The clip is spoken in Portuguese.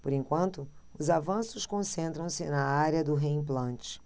por enquanto os avanços concentram-se na área do reimplante